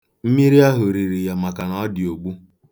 Mmiri ahụ riri ya maka na ọ dị ogbu.